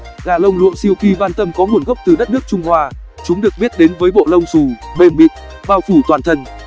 gà lông lụa silkie bantam có nguồn gốc từ đất nước trung hoa chúng được biết đến với bộ lông xù mềm mịn bao phủ toàn thân